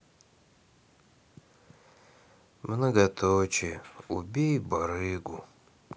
многоточие убей барыгу